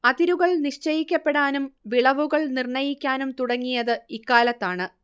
അതിരുകൾ നിശ്ചയിക്കപ്പെടാനും വിളവുകൾ നിർണ്ണയിക്കാനും തുടങ്ങിയത് ഇക്കാലത്താണ്